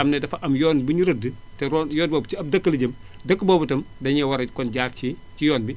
xam ne dafa am yoon buñu rëdd te yoon woowu ci ab dëkk la jëm dëkk boobu tam dañuy war a kon jaar ci ci yoon bi